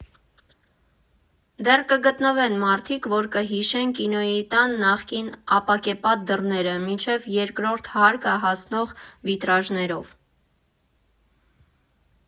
Դեռ կգտնվեն մարդիկ, որ կհիշեն Կինոյի տան նախկին ապակեպատ դռները՝ մինչև երկրորդ հարկը հասնող վիտրաժներով։